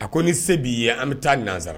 A ko ni se b'i an bɛ taa nansa